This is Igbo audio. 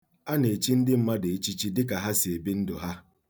A na-echi ndị mmadụ echichi dịka ha si ebi ndụ ha.